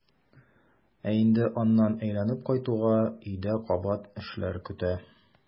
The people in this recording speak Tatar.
Ә инде аннан әйләнеп кайтуга өйдә кабат эшләр көтә.